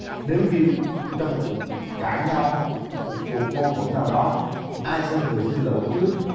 nếu như trong một cuộc cãi nhau một cuộc mâu thuẫn nào đó ai sẽ là người xin lỗi trước